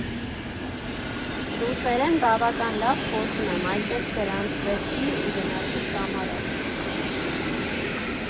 Ռուսերեն բավական լավ խոսում եմ, այդպես գրանցվեցի ու գնացի Սամարա։